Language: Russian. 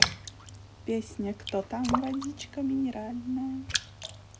песня кто там водичка минеральная